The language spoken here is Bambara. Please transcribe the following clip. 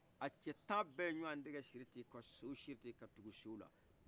a cɛ tan bɛɛ ɲɔgɔn tɛgɛ siri ten ka so siri ten ka tugu sow la